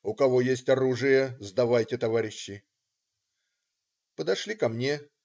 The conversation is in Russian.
У кого есть оружие, сдавайте, товарищи". Подошли ко мне.